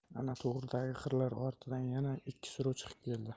ana to'g'ridagi qirlar ortidan yana ikki suruv chiqib keldi